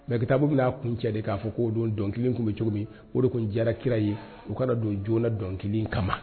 Mais kitabu bɛn'a kuncɛ de k'a fɔ k'o don dɔnkili in tun bɛ cogo min o de tun diyara Kira ye u ka don joona dɔnkili inkama